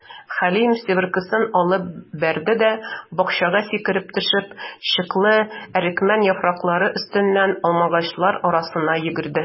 Хәлим, себеркесен атып бәрде дә, бакчага сикереп төшеп, чыклы әрекмән яфраклары өстеннән алмагачлар арасына йөгерде.